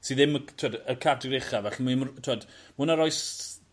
sydd ddim y t'wod y categori ucha falle t'wod ma' wnna roi s- s-